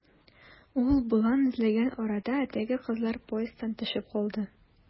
Ул болан эзләгән арада, теге кызлар поезддан төшеп кала.